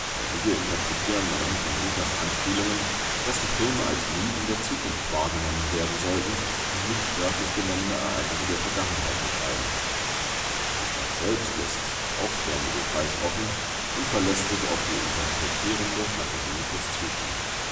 Einige interpretieren anhand von Lucas ' Anspielungen, dass die Filme als Mythen der Zukunft wahrgenommen werden sollten und nicht wörtlich genommen Ereignisse der Vergangenheit beschreiben. Lucas selbst lässt aufklärende Details offen und verlässt sich auf die interpretierende Fantasie des Zuschauers